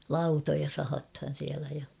lautoja sahataan siellä ja